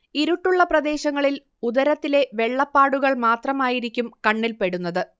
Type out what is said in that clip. ഇരുട്ടുള്ള പ്രദേശങ്ങളിൽ ഉദരത്തിലെ വെള്ളപ്പാടുകൾ മാത്രമായിരിക്കും കണ്ണിൽപ്പെടുന്നത്